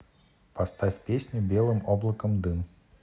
поставь песню белым облаком дым